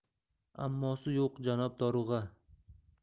ammosi yo'q janob dorug'a